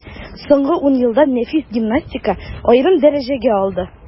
Соңгы ун елда нәфис гимнастика аерым дәрәҗәгә алды.